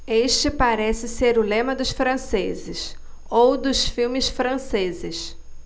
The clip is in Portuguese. este parece ser o lema dos franceses ou dos filmes franceses